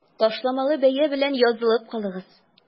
Ташламалы бәя белән язылып калыгыз!